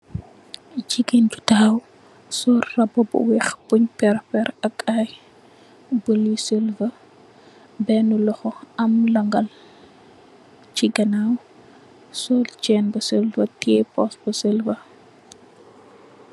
Gigain ju takhaw sol rohba bu wekh bungh pehrre pehrre ak aiiy buul yu silver, benue lokhor am langal chi ganaw, sol chaine bu silver, tiyeh purse bu silver.